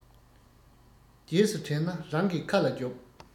རྗེས སུ དྲན ན རང གི ཁ ལ རྒྱོབ